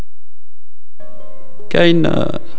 كان